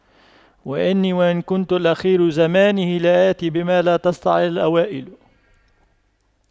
وإني وإن كنت الأخير زمانه لآت بما لم تستطعه الأوائل